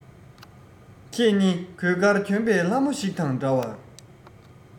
ཁྱེད ནི གོས དཀར གྱོན པའི ལྷ མོ ཞིག དང འདྲ བར